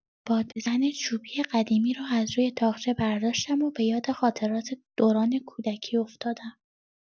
بادبزن چوبی قدیمی را از روی طاقچه برداشتم و بۀاد خاطرات دوران کودکی افتادم.